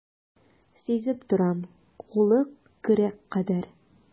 Сизеп торам, кулы көрәк кадәр.